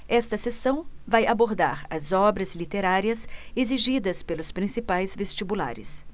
esta seção vai abordar as obras literárias exigidas pelos principais vestibulares